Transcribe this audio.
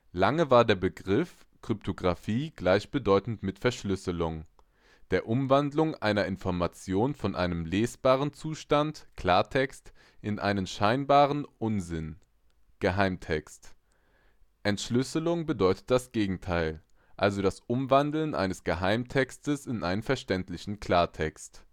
Lange war der Begriff Kryptographie gleichbedeutend mit Verschlüsselung, der Umwandlung einer Information von einem lesbaren Zustand (Klartext) in scheinbaren Unsinn (Geheimtext). Entschlüsselung bedeutet das Gegenteil, also das Umwandeln eines Geheimtextes in einen verständlichen Klartext